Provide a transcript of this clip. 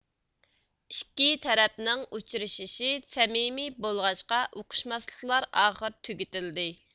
ئىككى تەرەپنىڭ ئۇچرىشىشى سەمىمىي بولغاچقا ئۇقۇشماسلىقلار ئاخىر تۈگىتىلدى